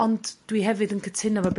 Ond dwi hefyd yn cytuno 'fo